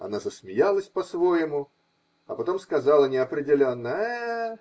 Она засмеялась по своему, потом сказала неопределенно: -- Э!